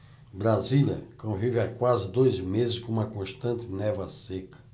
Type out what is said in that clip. brasília convive há quase dois meses com uma constante névoa seca